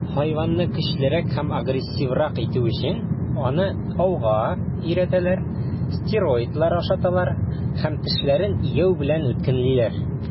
Хайванны көчлерәк һәм агрессиврак итү өчен, аны ауга өйрәтәләр, стероидлар ашаталар һәм тешләрен игәү белән үткенлиләр.